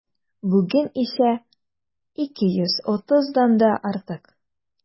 Бүген исә 230-дан да артык.